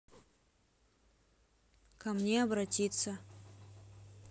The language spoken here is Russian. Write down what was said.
ко мне обратиться